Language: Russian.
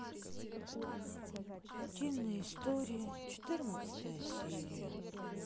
утиные истории четырнадцатая серия